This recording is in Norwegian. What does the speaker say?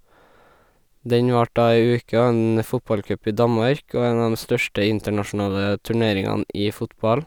Den varte da ei uke og er en fotballcup i Danmark, og en av dem største internasjonale turneringene i fotball.